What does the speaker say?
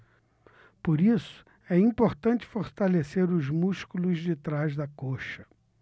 por isso é importante fortalecer os músculos de trás da coxa